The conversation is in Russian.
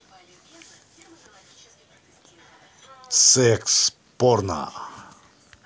секс порно